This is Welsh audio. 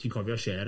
Ti'n cofio Cher?